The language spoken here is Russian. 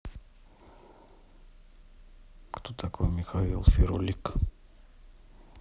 кто такой михаил ферулик